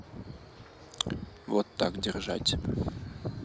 вот так держать